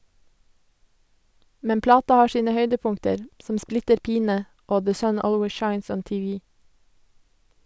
Men plata har sine høydepunkter, som «Splitter pine» og «The Sun Always Shines on TV».